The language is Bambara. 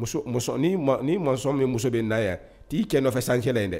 Muso ni mazɔn min muso bɛ na yan t'i cɛ nɔfɛ san kelen in dɛ